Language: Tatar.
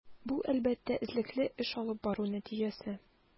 Бу, әлбәттә, эзлекле эш алып бару нәтиҗәсе.